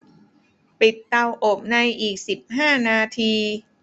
ปิดเตาอบในอีกสิบห้านาที